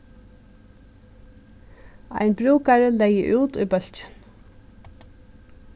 ein brúkari legði út í bólkin